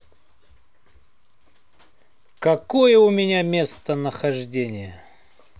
какое у меня местонахождение